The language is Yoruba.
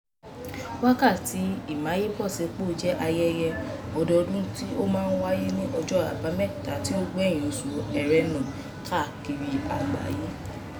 Wákàtí Ìmáyébọ̀sípò jẹ́ ayẹyẹ ọdọọdún tí ó máa ń wáyé ní ọjọ́ Àbámẹ́ta tí ó gbẹ̀yìn oṣù Ẹrẹ́nà, káàkiri àgbáyé.